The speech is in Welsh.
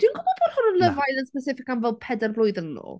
Dwi'n gwybod bod hwn yn Love Island specific am fel pedair blwyddyn yn ôl.